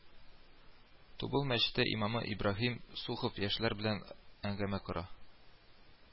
Тубыл мәчете имамы Ибраһим Сухов яшьләр белән әңгәмә кора